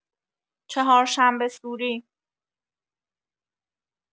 چهارشنبه‌سوری